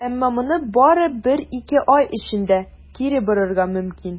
Әмма моны бары бер-ике ай эчендә кире борырга мөмкин.